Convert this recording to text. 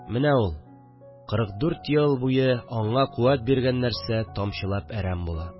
Менә ул, кырык дүрт ел буе аңа куәт биргән нәрсә, тамчылап әрәм була